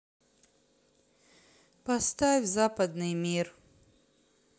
поставь западный мир